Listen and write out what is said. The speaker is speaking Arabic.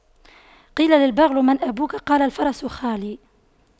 قيل للبغل من أبوك قال الفرس خالي